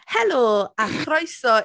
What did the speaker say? Helo a chroeso...